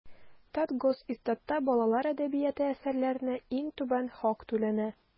Татгосиздатта балалар әдәбияты әсәрләренә иң түбән хак түләнә.